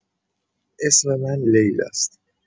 اسم من لیلاست.